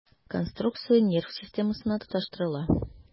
Конструкция нерв системасына тоташтырыла.